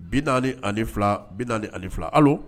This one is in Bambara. Bi naani ani fila bi naani ani fila ala